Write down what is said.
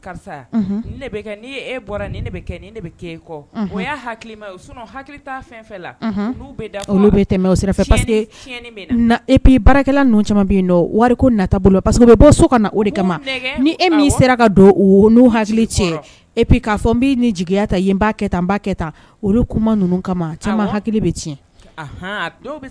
Tɛmɛ wari nata bolo paseke bɛ bɔ so o kama ni e min sera ka don n' hakili tiɲɛ e fɔ n b'i ni jeliyaya ta n n olu ninnu kama hakili bɛ tiɲɛ